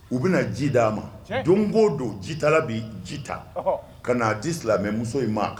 U bena ji d'a ma tiɲɛ doŋo don jitala be ji ta ɔhɔ kan'a di silamɛ muso in ma k